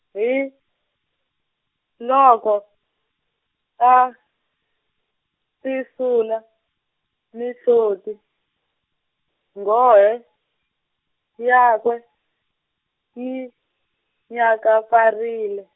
hi, loko, a, tisula, mihloti, nghohe, yakwe, yi, nyakapfarile.